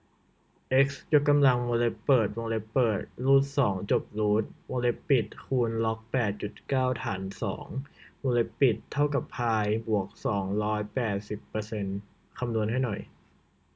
เอ็กซ์ยกกำลังวงเล็บเปิดวงเล็บเปิดรูทสองจบรูทวงเล็บปิดคูณล็อกแปดจุดเก้าฐานสองวงเล็บปิดเท่ากับพายบวกสองร้อยแปดสิบเปอร์เซ็นต์คำนวณให้หน่อย